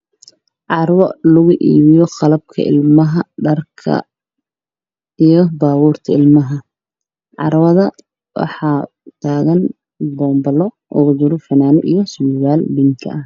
Waa carwo lugu iibiyo qalabka ilmaha iyo dharka, iyo baabuur ilmaha, carwada waxaa taagan boonbalo ugu jiro fanaanad iyo surwaal bingi ah.